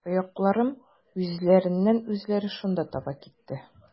Аякларым үзләреннән-үзләре шунда таба китте.